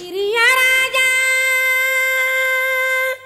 Miniyan y' la